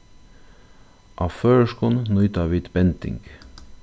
á føroyskum nýta vit bending